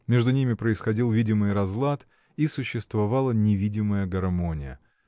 Между ними происходил видимый разлад и существовала невидимая гармония.